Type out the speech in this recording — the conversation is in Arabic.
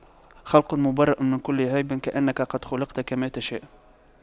خلقت مُبَرَّأً من كل عيب كأنك قد خُلقْتَ كما تشاء